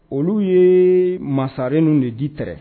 Olu ye masaren ninnu de di tɛɛrɛ